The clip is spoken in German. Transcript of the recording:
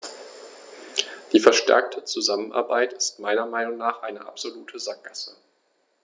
Die verstärkte Zusammenarbeit ist meiner Meinung nach eine absolute Sackgasse.